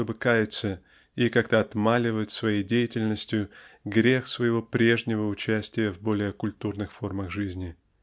чтобы каяться и как бы отмаливать своей деятельностью "грех" своего прежнего участия в более культурных формах жизни